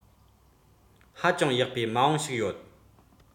ཧ ཅང ཡག པའི མ འོངས ཞིག ཡོད